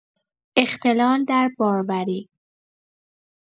اختلال در باروری